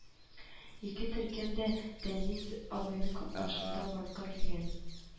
Ике төркем дә Дәниз абыйның катнашында барлыкка килгән